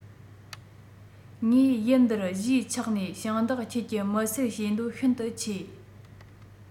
ངས ཡུལ འདིར གཞིས ཆགས ནས ཞིང བདག ཁྱེད ཀྱི མི སེར བྱེད འདོད ཤིན ཏུ ཆེ